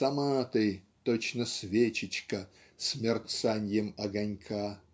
Сама ты -- точно свечечка с мерцаньем огонька. .